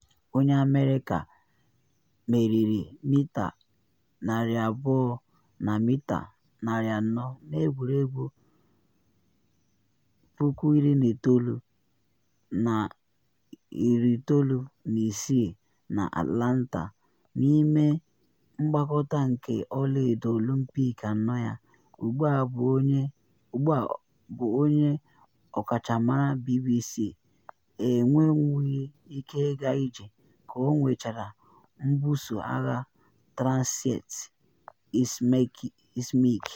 Onye America, meriri mita 200 na mita 400 na Egwuregwu 1996 na Atlanta n’ime mgbakọta nke ọla-edo Olympic ano ya, ugbu a bụ onye ọkachamara BBC, enwenwughi ike ịga ije ka ọ nwechara mbuso agha transient ischemic.